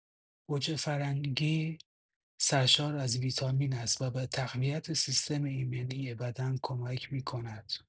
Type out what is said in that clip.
گوجه‌فرنگی سرشار از ویتامین است و به تقویت سیستم ایمنی بدن کمک می‌کند.